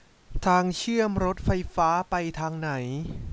ทางเชื่อมรถไฟฟ้าไปทางไหน